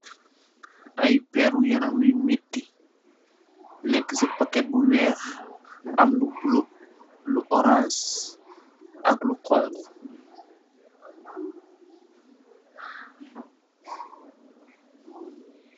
Aye Peru yaram wi metih, nek si packet bu weekh, am lu buleuh, lu orange, ak lu khonkhu.